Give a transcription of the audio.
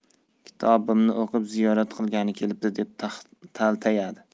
kitobimni o'qib ziyorat qilgani kelibdi deb taltayadi